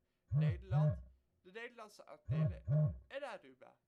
Nederland, de Nederlandse Antillen en Aruba